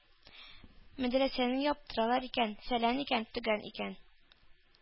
Мәдрәсәне яптыралар икән, фәлән икән, төгән икән!